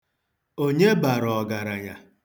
Onye bara ọgaranya?